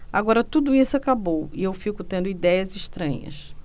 agora tudo isso acabou e eu fico tendo idéias estranhas